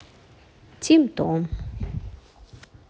тим том